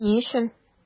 Ни өчен?